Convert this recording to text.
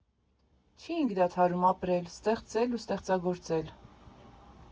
Չենք դադարում ապրել, ստեղծել ու ստեղծագործել…